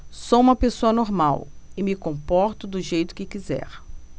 sou homossexual e me comporto do jeito que quiser